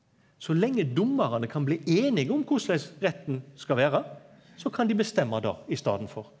so lenge dommarane kan bli einig om korleis retten skal vera, så kan dei bestemma det i staden for.